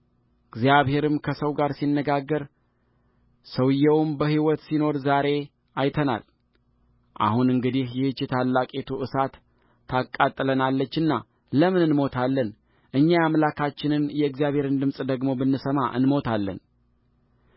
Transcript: እግዚአብሔርም ከሰው ጋር ሲነጋገር ሰውዮውም በሕይወት ሲኖር ዛሬ አይተናልአሁን እንግዲህ ይህች ታላቂቱ እሳት ታቃጥለናለችና ለምን እንሞታለን እኛ የአምላካችንን የእግዚአብሔርን ድምፅ ደግሞ ብንሰማ እንሞታለን